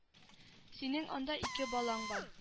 Синең анда ике балаң бар